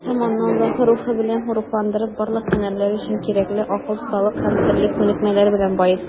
Һәм аны, Аллаһы Рухы белән рухландырып, барлык һөнәрләр өчен кирәкле акыл, осталык һәм төрле күнекмәләр белән баеттым.